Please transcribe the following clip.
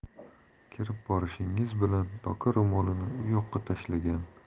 kirib borishingiz bilan doka ro'molini u yoqqa tashlagan